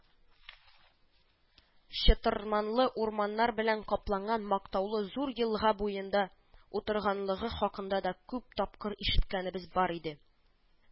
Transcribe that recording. Чытырманлы урманнар белән капланган мактаулы зур елга буенда утырганлыгы хакында да күп тапкыр ишеткәнебез бар иде